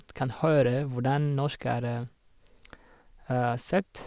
Kan høre hvordan norsk er sett.